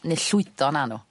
neu llwydo 'na n'w.